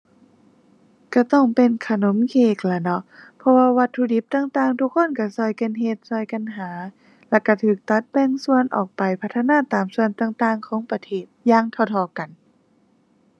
ก็ต้องเป็นขนมเค้กละเนาะ เพราะว่าวัตถุดิบต่างต่างทุกคนก็ก็กันเฮ็ดก็กันหา แล้วก็ก็ตัดแบ่งส่วนออกไปพัฒนาตามส่วนต่างต่างของประเทศ อย่างเท่าเท่ากัน